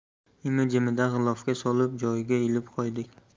imi jimida g'ilofga solib joyiga ilib qo'ydik